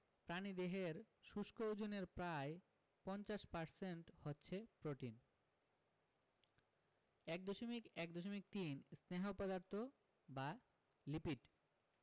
প্রাণীদেহের শুষ্ক ওজনের প্রায় ৫০% হচ্ছে প্রোটিন ১.১.৩ স্নেহ পদার্থ বা লিপিড